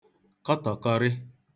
kọtọ̀kọrị